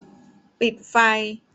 ปิดไฟ